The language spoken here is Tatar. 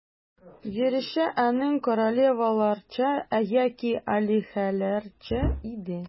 Йөреше аның королеваларча яки алиһәләрчә иде.